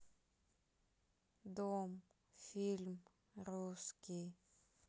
дом фильм русский